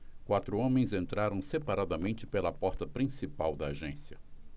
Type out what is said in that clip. quatro homens entraram separadamente pela porta principal da agência